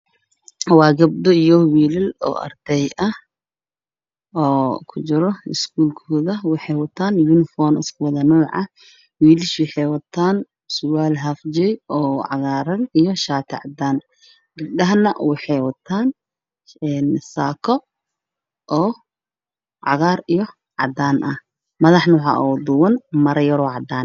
Waa gabdho iyo wiilal arday ah oo ku dhex jiro schoolkooda waxay wataan uniform isku wada nooc ah wiilsha waxay wataan surwaal haaf jeey oo cagaaran iyo shaati cadaan ah gabdhahana waxay wataan saako cagaar iyo cadaan ah iyo maro yar oo cadaan ah